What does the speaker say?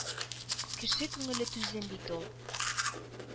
Кеше күңеле түзем бит ул.